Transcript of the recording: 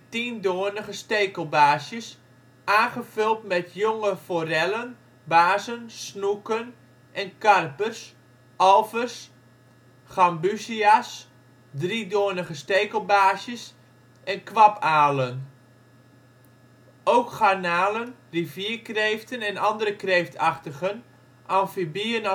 tiendoornige stekelbaarsjes, aangevuld met jonge forellen, baarzen, snoeken en karpers, alvers, gambusia 's, driedoornige stekelbaarsjes en kwabalen. Ook garnalen, rivierkreeften en andere kreeftachtigen, amfibieën